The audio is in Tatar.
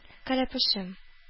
Кәләпүшем